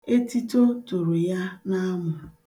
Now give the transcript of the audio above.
Etito toro ya n'amụ.